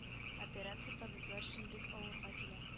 Операция табиблар өчен бик авырга килә